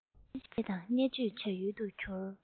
རྩེད ཆས དང བརྙས བཅོས བྱ ཡུལ དུ གྱུར